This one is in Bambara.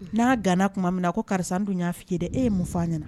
N'a gana tuma min na ko karisa n dun y'a f'i ye dɛ, e ye mun f'a ɲɛna?